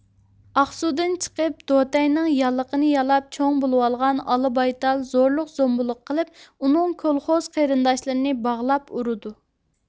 ئاقسۇدىن چىقىپ دوتەينىڭ يالىقىنى يالاپ چوڭ بولۇۋالغان ئالا بايتال زورلۇق زومبۇلۇق قىلىپ ئۇنىڭ كولخوز قېرىنداشلىرىنى باغلاپ ئۇرىدۇ